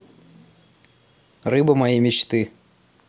рыба моей мечты